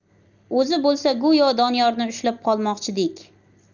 o'zi bo'lsa go'yo doniyorni ushlab qolmoqchidek